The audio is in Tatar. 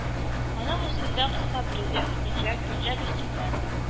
Аның өстендә кыска брезент пинжәк, пинжәк өстеннән